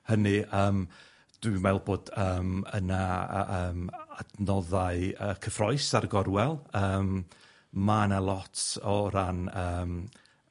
hynny, yym dwi'n meddwl bod yym yna yy yym adnoddau yy cyffrous ar y gorwel, yym ma' 'na lot o ran yym